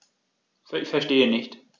Verstehe nicht.